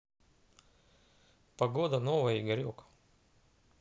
погода новая игорек